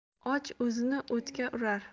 och o'zini o'tga urar